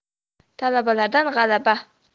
talabalar dan g'alaba